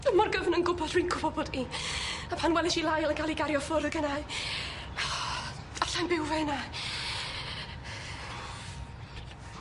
On' ma'r gyfnyr 'n gwbod, wi'n gwbod bod 'i a pan welesh i Lyle yn ca'l ei gario ffwr o' gynnai o allai'm byw 'fo ynna.